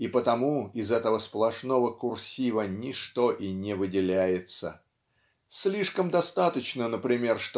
и потому из этого сплошного курсива ничто и не выделяется. Слишком достаточно например